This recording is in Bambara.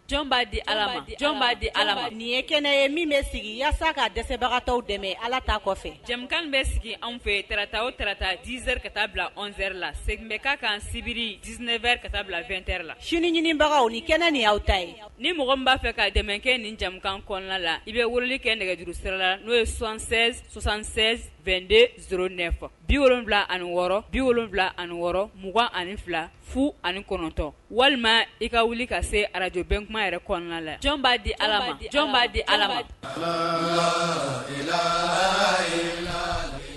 Jɔn b'a di ala jɔn b'a di ala nin ye kɛnɛ ye min bɛ sigi walasasa k ka dɛsɛbagata dɛmɛ ala ta kɔfɛ jamu bɛ sigi an fɛ tta o tata dze ka taa bila zeri la sɛ bɛ ka kan sibiri dseɛrɛ ka taa bila2ɛ la sini ɲinibagaw ni kɛnɛ ni aw ta ye ni mɔgɔ b'a fɛ ka dɛmɛkɛ nin jamanakan kɔnɔna la i bɛ wuli kɛ nɛgɛjurusɛ la n'o ye son7 sɔsan72de s ne bi wolon wolonwula ani wɔɔrɔ bi wolonwula ani wɔɔrɔ 2ugan ani fila fu ani kɔnɔntɔn walima i ka wuli ka se arajbɛntuma yɛrɛ kɔnɔna la jɔn b'a di jɔn b'a di